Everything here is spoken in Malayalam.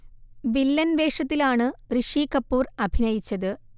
വില്ലൻ വേഷത്തിലാണ് ഋഷി കപൂർ അഭിനയിച്ചത്